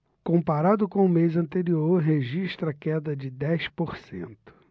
comparado com o mês anterior registra queda de dez por cento